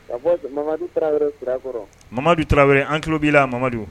A tarawelekɔrɔ madu tarawele an tulolo b'ila ma